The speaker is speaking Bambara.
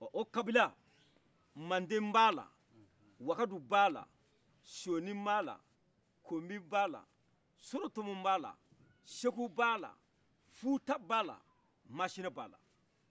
o kabila mande b'ala wakadu bala sonii bala kunbi bala sorotɔmɔ bala segu bala futa bala macina bala